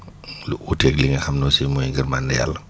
lu uteeg li nga xam ne aussi mooy ngërmande yàlla